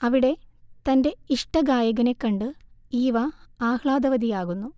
അവിടെ തന്റെ ഇഷ്ടഗായകനെ കണ്ട് ഈവ ആഹ്ലാദവതിയാകുന്നു